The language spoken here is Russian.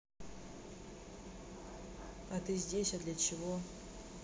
а ты здесь а для чего